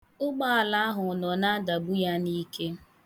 Ụgbaala ahụ nọ na-adagbu ya n' ike.